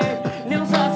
vời nếu xa